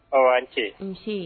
Awa a ni ce. Unsee . hun.